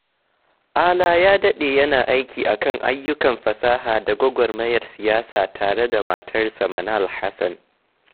Alaa ya daɗe yana aiki a kan ayyukan fasaha da gwagwarmayar siyasa tare da matarsa, Manal Hassan.